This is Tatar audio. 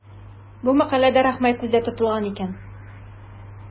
Бу мәкаләдә Рахмай күздә тотылган икән.